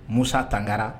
Musa tangara